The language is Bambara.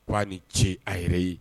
K' a ni ce, a yɛrɛ ye.